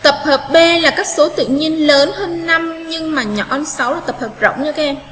tập hợp b là các số tự nhiên lớn hơn nhưng mà nhỏ hơn tập hợp rộng như thế